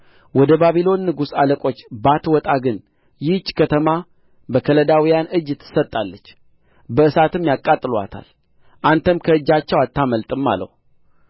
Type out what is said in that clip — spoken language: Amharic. ወደ ባቢሎን ንጉሥ አለቆች ባትወጣ ግን ይህች ከተማ በከለዳውያን እጅ ትሰጣለች በእሳትም ያቃጥሉአታል አንተም ከእጃቸው አታመልጥም አለው